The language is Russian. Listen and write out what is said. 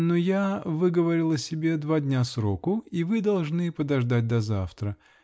Но я выговорила себе два дня сроку -- и вы должны подождать до завтра.